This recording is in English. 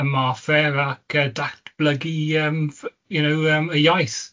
ymarfer ac yy datblygu yym f- you know yym y iaith.